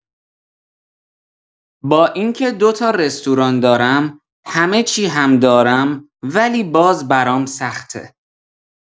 با اینکه دو تا رستوران دارم، همه چی هم دارم، ولی باز برام سخته!